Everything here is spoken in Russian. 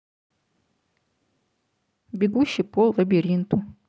бегущий по лабиринту